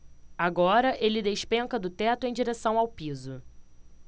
agora ele despenca do teto em direção ao piso